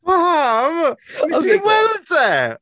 Pam! Wnest ti weld e?